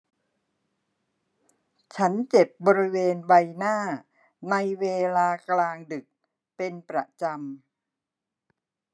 ฉันเจ็บบริเวณใบหน้าในเวลากลางดึกเป็นประจำ